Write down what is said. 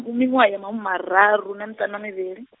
u miṅwaha ya mahumi mararu na miṱanu na mivhili .